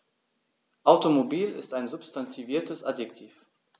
Automobil ist ein substantiviertes Adjektiv.